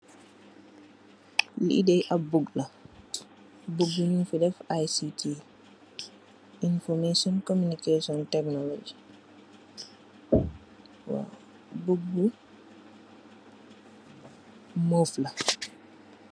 Li de ab book la book bi nounko def I c t information communication technology book bi mos la.